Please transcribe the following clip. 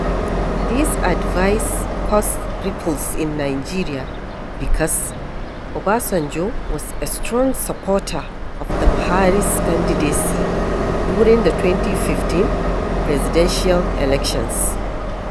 This advice caused ripples in Nigeria because Obasanjo was a strong supporter of the Buhari’s candidacy during the 2015 presidential elections.